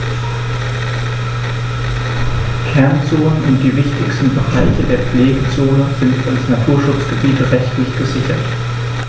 Kernzonen und die wichtigsten Bereiche der Pflegezone sind als Naturschutzgebiete rechtlich gesichert.